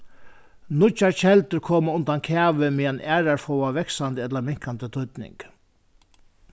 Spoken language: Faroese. nýggjar keldur koma undan kavi meðan aðrar fáa vaksandi ella minkandi týdning